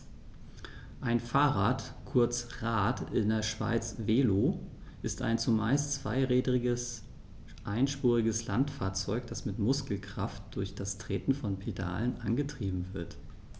Ein Fahrrad, kurz Rad, in der Schweiz Velo, ist ein zumeist zweirädriges einspuriges Landfahrzeug, das mit Muskelkraft durch das Treten von Pedalen angetrieben wird.